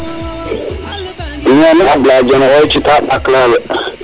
mi ne e Ablaye Dione xoytita MBak lalo